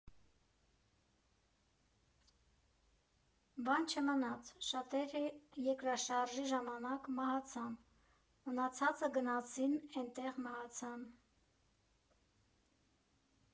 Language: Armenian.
֊ Բան չմնաց, շատերը երկրաշարժի ժամանակ մահացան, մնացածը գնացին, էնտեղ մահացան։